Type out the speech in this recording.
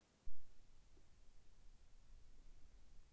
бомба из яйца